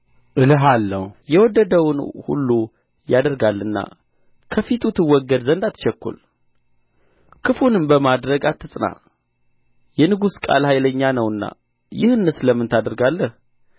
እልሃለሁ የወደደውን ሁሉ ያደርጋልና ከፊቱ ትወገድ ዘንድ አትቸኵል ክፉንም በማድረግ አትጽና የንጉሥ ቃል ኃይለኛ ነውና ይህንስ ለምን ታደርጋለህ